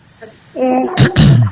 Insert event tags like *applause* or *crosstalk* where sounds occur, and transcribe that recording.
eyyi *clears throat*